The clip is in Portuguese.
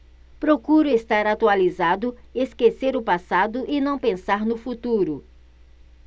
procuro estar atualizado esquecer o passado e não pensar no futuro